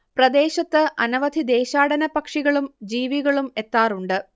പ്രദേശത്ത് അനവധി ദേശാടന പക്ഷികളും ജീവികളും എത്താറുണ്ട്